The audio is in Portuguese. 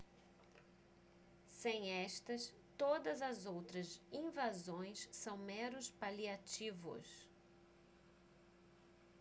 sem estas todas as outras invasões são meros paliativos